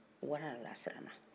wara y'a lasiranna